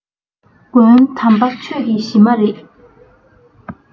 མགོན དམ པ ཆོས ཀྱི གཞི མ རེད